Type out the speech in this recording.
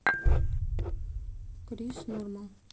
chris norman